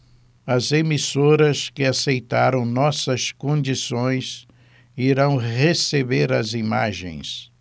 as emissoras que aceitaram nossas condições irão receber as imagens